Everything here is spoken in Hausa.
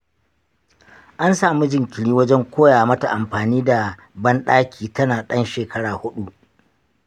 an samu jinkiri wajen koya mata amfani da banɗaki tana ɗan shekara huɗu.